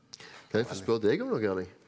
kan jeg få spør deg om noe Erling?